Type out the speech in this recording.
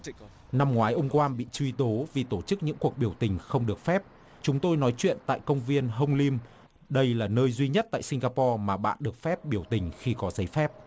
năm ngoái ông goang bị truy tố vì tổ chức những cuộc biểu tình không được phép chúng tôi nói chuyện tại công viên hông lim đây là nơi duy nhất tại sinh ga po mà bạn được phép biểu tình khi có giấy phép